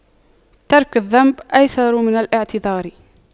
ترك الذنب أيسر من الاعتذار